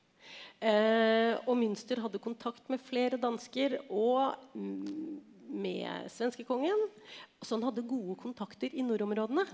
og Münster hadde kontakt med flere dansker og med svenskekongen og så han hadde gode kontakter i nordområdene.